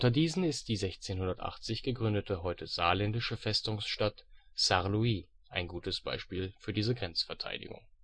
diesen ist die 1680 gegründete, heute saarländische Festungsstadt Sarre-Louis ein gutes Beispiel für diese Grenzverteidigung